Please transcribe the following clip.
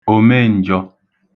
òmen̄jọ̄